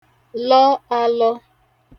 lọ ālọ̄